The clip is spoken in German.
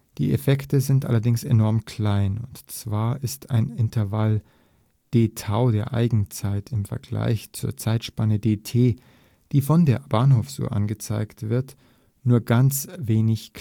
Die Effekte sind allerdings enorm klein: Und zwar ist ein Intervall dτ der Eigenzeit im Vergleich zur Zeitspanne dt, die von der Bahnhofsuhr angezeigt wird, nur ganz wenig